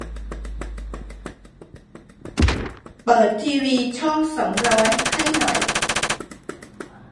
เปิดทีวีช่องสองร้อยให้หน่อย